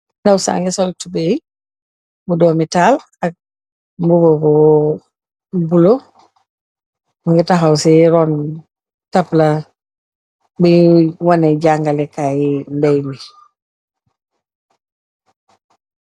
Dawsaa ngi sol tubaay bu domtahal, ak mbuba bu bule, mingi tahaw si ron tabala bi wane jangalekaay yi beymi